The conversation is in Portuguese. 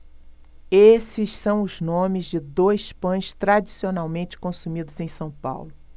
esses são os nomes de dois pães tradicionalmente consumidos em são paulo